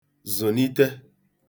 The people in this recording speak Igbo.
zụ̀nite